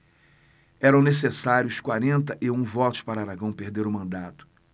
eram necessários quarenta e um votos para aragão perder o mandato